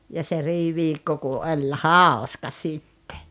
ja se riiviikko kun oli hauska sitten